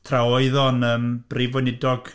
Tra oedd o'n yym Brif Weinidog.